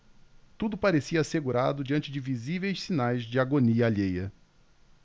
tudo parecia assegurado diante de visíveis sinais de agonia alheia